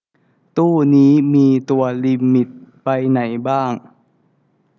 ตู้นี้มีตัวลิมิตใบไหนบ้าง